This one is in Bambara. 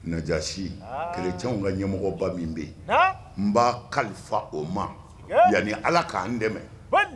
Najasi kɛlɛjanw ka ɲɛmɔgɔba min bɛ yen n b'a kalifa o ma yan ni ala k'an dɛmɛ